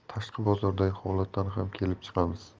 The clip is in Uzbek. tashqi bozordagi holatdan ham kelib chiqamiz